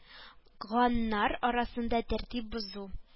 Ганнар арасында тәртип бозу